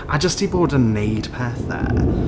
A jyst i bod yn wneud pethau.